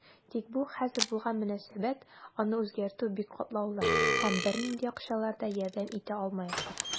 Тик бу хәзер булган мөнәсәбәт, аны үзгәртү бик катлаулы, һәм бернинди акчалар да ярдәм итә алмаячак.